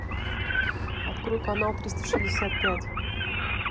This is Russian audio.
открой канал триста шестьдесят пять